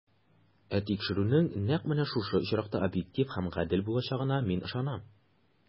Ә тикшерүнең нәкъ менә шушы очракта объектив һәм гадел булачагына мин ышанам.